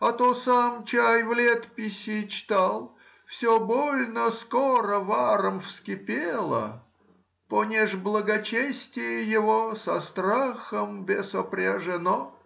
А то сам, чай, в летописи читал — все больно скоро варом вскипело, понеже благочестие его со страхом бе сопряжено.